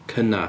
Cynnau?